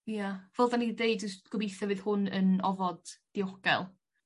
Ia fel 'dan ni 'di deud j's gobeithio fydd hwn yn ofod diogel.